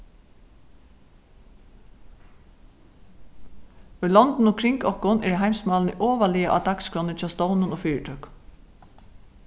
í londunum kring okkum eru heimsmálini ovarlaga á dagsskránni hjá stovnum og fyritøkum